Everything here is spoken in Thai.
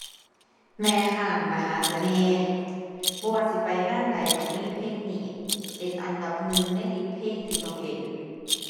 แม่ร้างมหาเสน่ห์ บ่ว่าสิไปงานใดต้องมีเพลงนี้เป็นอันดับหนึ่งในลิสต์เพลงที่ต้องเล่น